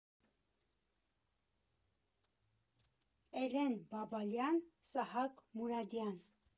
Էլեն Բաբալյան Սահակ Մուրադյան։